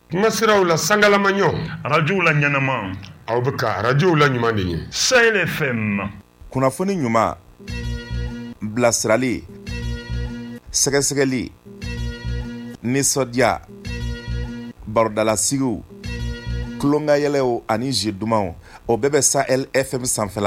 Kumasira u la sangalamaɲɔ arajw la ɲma aw bɛ ka arajw la ɲuman say ne fɛn ma kunnafoni ɲuman bilasirali sɛgɛsɛgɛli nisɔn nisɔndiya barodalasigi kolonkanyw ani ze dumanumaw o bɛɛ bɛ sa e fɛmi san sanfɛ la